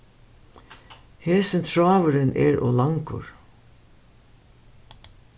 hesin tráðurin er ov langur